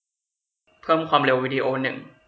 เพิ่มความเร็ววีดีโอหนึ่ง